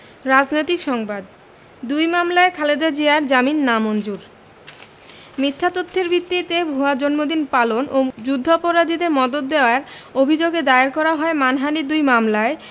রাজনৈতিক সংবাদ দুই মামলায় খালেদা জিয়ার জামিন নামঞ্জুর মিথ্যা তথ্যের ভিত্তিতে ভুয়া জন্মদিন পালন ও যুদ্ধাপরাধীদের মদদ দেওয়ার অভিযোগে দায়ের করা মানহানির দুই মামলায়